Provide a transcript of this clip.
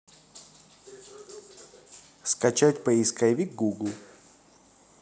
скачать поисковик гугл